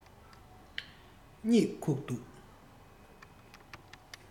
གཉིད ཁུག འདུག